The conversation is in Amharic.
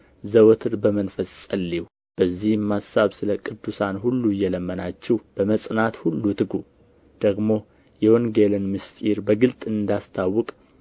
ዘወትር በመንፈስ ጸልዩ በዚህም አሳብ ስለ ቅዱሳን ሁሉ እየለመናችሁ በመጽናት ሁሉ ትጉ ደግሞ የወንጌልን ምሥጢር በግልጥ እንዳስታውቅ